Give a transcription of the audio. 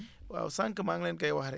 waaw sànq maa ngi leen koy wax rek